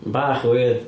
Bach yn weird.